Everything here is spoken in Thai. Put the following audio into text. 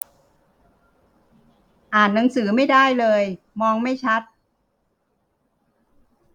อ่านหนังสือไม่ได้เลยมองไม่ชัด